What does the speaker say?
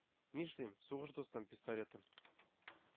Нишлим, сугыш дустым-пистолетым